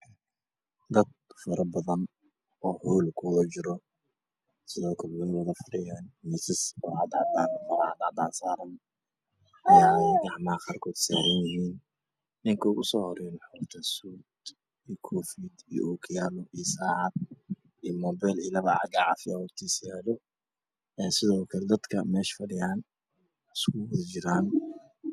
Dad fara badan hool kuwada jira sidoo kale way fadhiyaan miisas cadaan ah ayaagacmaha kuwataan ninka usoo horeeyo koofiyad ,saacad io mobile hortiisa yaala sodoo dadka meesha fadhiya isu wada jiraan